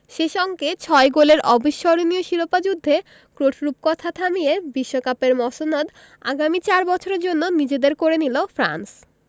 শেষ অঙ্কে ছয় গোলের অবিস্মরণীয় শিরোপা যুদ্ধে ক্রোট রূপকথা থামিয়ে বিশ্বকাপের মসনদ আগামী চার বছরের জন্য নিজেদের করে নিল ফ্রান্স